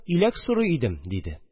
Иләк сорый идем», – диде